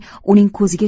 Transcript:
uning ko'ziga